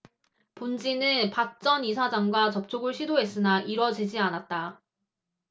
본지는 박 전 이사장과 접촉을 시도했으나 이뤄지지 않았다